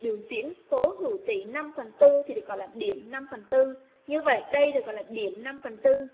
biểu diễn số hữu tỉ thì có đặc điểm như vậy đây được gọi là điểm